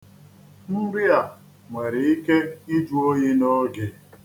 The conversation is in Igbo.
Nri a nwere ike ịjụ oyi n'oge.